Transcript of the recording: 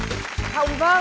vân